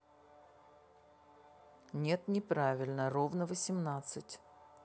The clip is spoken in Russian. нет не правильно равно восемнадцать